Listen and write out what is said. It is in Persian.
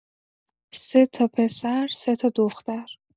سه‌تا پسر، سه‌تا دختر.